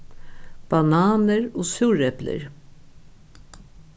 bananir og súreplir